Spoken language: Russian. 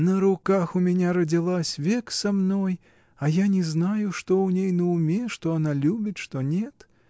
На руках у меня родилась, век со мной, а я не знаю, что у ней на уме, что она любит, что нет.